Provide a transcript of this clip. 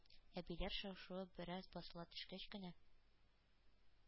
Әбиләр шау-шуы бераз басыла төшкәч кенә,